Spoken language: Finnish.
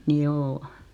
joo